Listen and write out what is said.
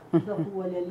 N kuwaleli